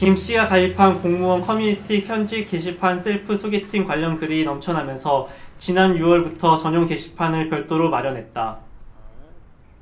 김씨가 가입한 공무원 준비 커뮤니티는 현직 게시판에 셀프 소개팅 관련 글이 넘쳐나면서 지난 유 월부터 전용 게시판을 별도로 마련했다